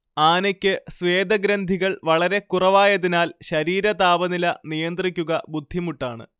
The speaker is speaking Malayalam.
ആനയ്ക്ക് സ്വേദഗ്രന്ഥികൾ വളരെക്കുറവായതിനാൽ ശരീരതാപനില നിയന്ത്രിക്കുക ബുദ്ധിമുട്ടാണ്